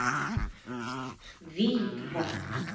вий два